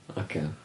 Ocê.